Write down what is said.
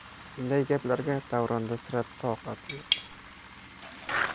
bunday gaplarga davronda sira toqat yo'q